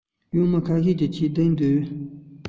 ཡང མི ཁ ཤས ཀྱིས ཁྱེད སྤྲིངས པ འདོད